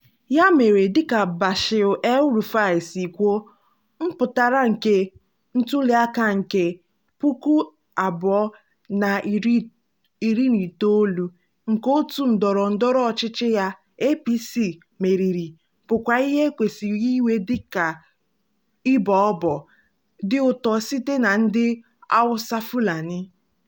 Ya mere, dịka Bashir El-Rufai si kwuo, mpụtara nke ntụliaka nke 2019 nke òtù ndọrọ ndọrọ ọchịchị ya, APC, meriri, bụkwa ihe e kwesịrị iwe dị ka "ịbọ ọbọ" dị ụtọ site na ndị Awụsa, Fulani.